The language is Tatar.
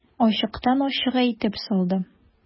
Ачыктан-ачык әйтеп салды.